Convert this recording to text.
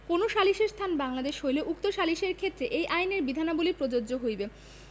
কোন সালিসের স্থান বাংলাদেশ হইলে উক্ত সালিসের ক্ষেত্রে এই আইনের বিধানাবলী প্রযোজ্য হইবে